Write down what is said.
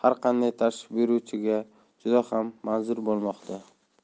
qanday tashrif buyuruvchiga juda ham manzur bo'lmoqda